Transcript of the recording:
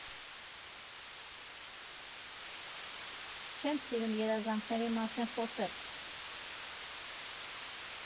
Չեմ սիրում երազանքների մասին խոսել։